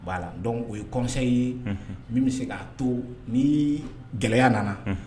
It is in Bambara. Voilà donc o ye conseil ye min bi se ka to ni gɛlɛya nana